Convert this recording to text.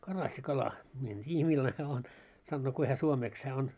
karassikala minä en tiedä millainen on sanoo kuinka hän suomeksi hän on